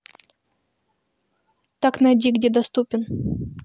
так найди где доступен